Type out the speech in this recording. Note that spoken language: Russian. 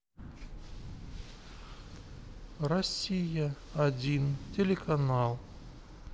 россия один телеканал